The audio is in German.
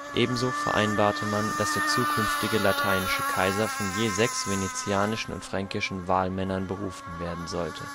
Ebenso vereinbarte man, dass der zukünftige lateinische Kaiser von je sechs venezianischen und fränkischen Wahlmännern berufen werden sollte